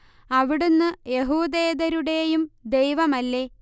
അവിടുന്ന് യഹൂദേതരുടേയും ദൈവമല്ലേ